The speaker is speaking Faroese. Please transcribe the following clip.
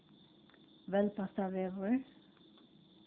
velbastaðvegur